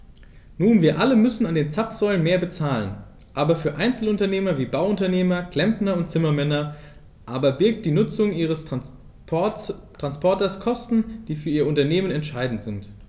Nun wir alle müssen an den Zapfsäulen mehr bezahlen, aber für Einzelunternehmer wie Bauunternehmer, Klempner und Zimmermänner aber birgt die Nutzung ihres Transporters Kosten, die für ihr Unternehmen entscheidend sind.